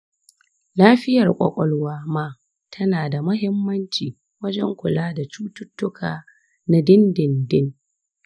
lafiyar kwakwalwa ma tana da muhimmanci wajen kula da cututtuka na dindindin.